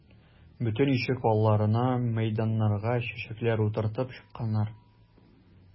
Бөтен ишек алларына, мәйданнарга чәчәкләр утыртып чыкканнар.